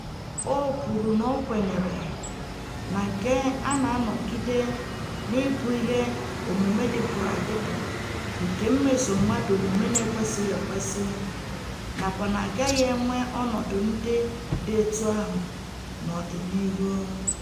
O kwuru na o "kwenyere na nke a ga-anọgide n'ịbụ ihe omume dịpụrụ adịpụ nke mmeso mmadụ omume na-ekwesịghị ekwesị nakwa na a gaghị enwe ọnọdụ ndị dị etu ahụ n'ọdịnihu".